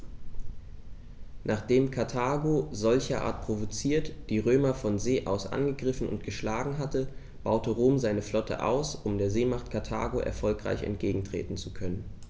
Nachdem Karthago, solcherart provoziert, die Römer von See aus angegriffen und geschlagen hatte, baute Rom seine Flotte aus, um der Seemacht Karthago erfolgreich entgegentreten zu können.